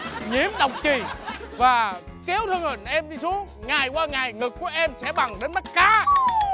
nhiễm độc chì và kéo thân hình em đi xuống ngày qua ngày ngực của em sẽ bằng đến mắt cá